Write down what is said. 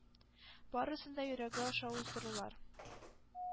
Барысын да йөрәге аша уздырулар…